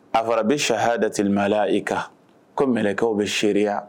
A fɔrara bɛ saha da telimaya i kan ko mkɛ bɛ seya